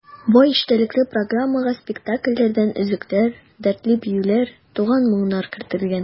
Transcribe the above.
Бай эчтәлекле программага спектакльләрдән өзекләр, дәртле биюләр, туган моңнар кертелгән.